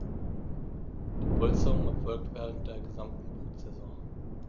Diese Polsterung erfolgt während der gesamten Brutsaison.